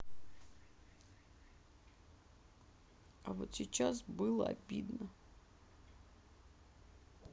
а вот сейчас было обидно